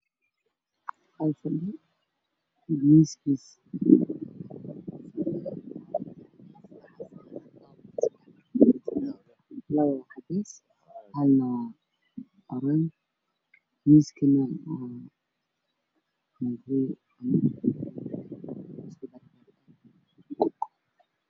Waa qol waxaa yaalla siif iyo fadhigiisu waa caddaan miiska khaladkiisa waa midow dhulku waa sumac